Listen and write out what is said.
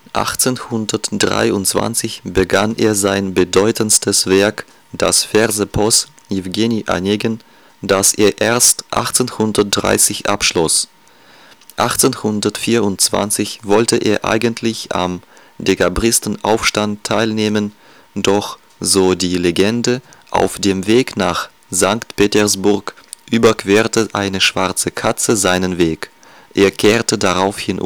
1823 begann er sein bedeutendstes Werk, das Versepos Eugen Onegin, das er erst 1830 abschloss. 1824 wollte er eigentlich am Dekrabristenaufstand teilnehmen, doch - so die Legende - auf dem Weg nach St. Petersburg überquerte eine schwarze Katze seinen Weg. Er kehrte daraufhin